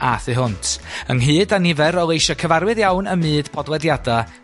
a thu hwnt, ynghyd â nifer o leisia' cyfarwydd iawn ym myd podlediada